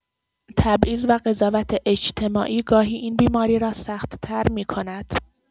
تبعیض و قضاوت اجتماعی گاهی این بیماری را سخت‌تر می‌کند.